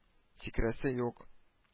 Сикерәсе юк